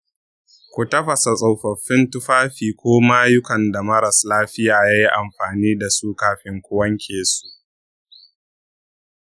ku tafasa tsofaffin tufafi ko mayukan da maras lafiya ya yi amfani da su kafin ku wanke su.